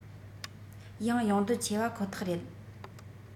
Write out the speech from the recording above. ཡང ཡོང འདོད ཆེ པ ཁོ ཐག རེད